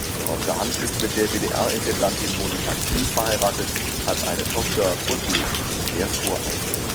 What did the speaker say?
Roger Handt ist mit der WDR-Intendantin Monika Piel verheiratet, hat eine Tochter und lebt in der Voreifel